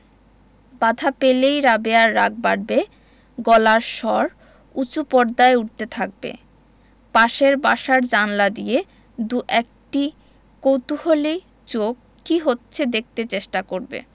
বাধা পেলেই রাবেয়ার রাগ বাড়বে গলার স্বর উচু পর্দায় উঠতে থাকবে পাশের বাসার জানালা দিয়ে দুএকটি কৌতুহলী চোখ কি হচ্ছে দেখতে চেষ্টা করবে